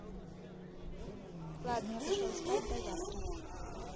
ладно я пошел спать до завтра